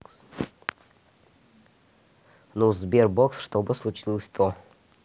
ну sberbox что чтобы случилось то